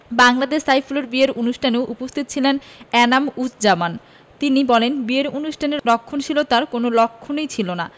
বাংলাদেশে সাইফুলের বিয়ের অনুষ্ঠানেও উপস্থিত ছিলেন এনাম উজজামান তিনি বলেন বিয়ের অনুষ্ঠানে রক্ষণশীলতার কোনো লক্ষণই ছিল না